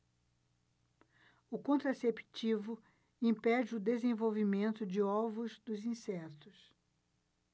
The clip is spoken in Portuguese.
o contraceptivo impede o desenvolvimento de ovos dos insetos